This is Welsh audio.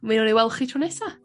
Mi newn ni wel' chi tro nesa.